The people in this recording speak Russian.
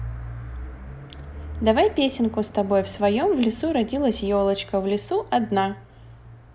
давай песенку с тобой в своем в лесу родилась елочка в лесу одна